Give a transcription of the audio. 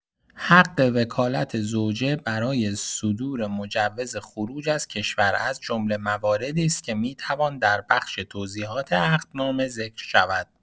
حق وکالت زوجه برای صدور مجوز خروج از کشور، از جمله مواردی است که می‌توان در بخش توضیحات عقدنامه ذکر شود.